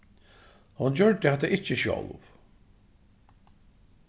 hon gjørdi hatta ikki sjálv